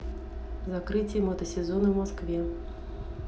закрытие мотосезона в москве